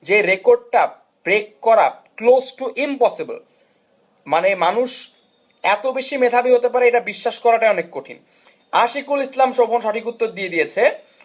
যে রেকর্ডটা ব্রেক করা ক্লোজ টু ইম্পসিবল মানে মানুষ এত বেশি মেধাবী হতে পারে এটা বিশ্বাস করাটা অনেক কঠিন আশিকুল ইসলাম শোভন সঠিক উত্তর দিয়ে দিয়েছে